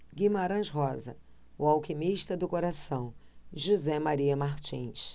guimarães rosa o alquimista do coração de josé maria martins